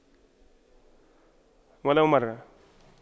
ولو مرة